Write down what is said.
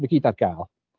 Mae o i gyd ar gael.